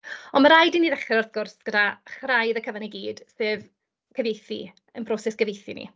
Ond ma'n raid i ni ddechrau wrth gwrs gyda chraidd y cyfan i gyd, sef cyfeithu, ein broses gyfeithu ni.